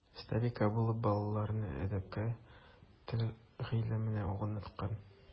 Остабикә булып балаларны әдәпкә, тел гыйлеменә укыткан.